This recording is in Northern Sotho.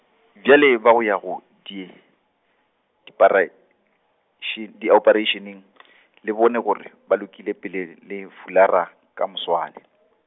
bjale ba ya go di, diparaše-, diopareišeneng , le bone gore, ba lokile pele l- le fulara, ka moswane .